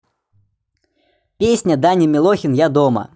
песня даня милохин я дома